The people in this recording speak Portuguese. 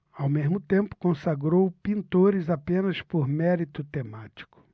ao mesmo tempo consagrou pintores apenas por mérito temático